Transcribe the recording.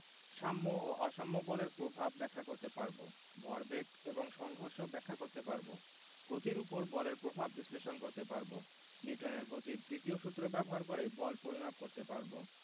সাম্য ও অসাম্য বলের প্রভাব ব্যাখ্যা করতে পারব ভরবেগ এবং সংঘর্ষ ব্যাখ্যা করতে পারব গতির উপর বলের প্রভাব বিশ্লেষণ করতে পারব নিউটনের গতির দ্বিতীয় সূত্র ব্যবহার করে বল পরিমাপ করতে পারব